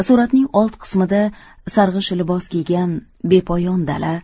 suratning old qismida sarg'ish libos kiygan bepoyon dala